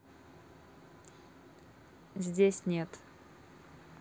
здесь нет